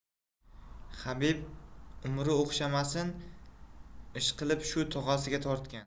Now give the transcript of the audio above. habib umri o'xshamasin ishqilib shu tog'asiga tortgan